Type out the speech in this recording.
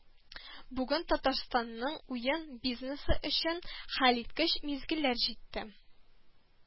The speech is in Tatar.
Бүген Татарстанның уен бизнесы өчен хәлиткеч мизгелләр җитте